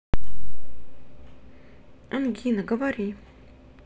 ангина говори